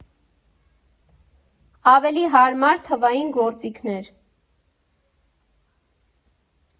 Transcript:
Ավելի հարմար թվային գործիքներ։